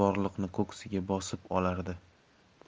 borliqni ko'ksiga bosib olardi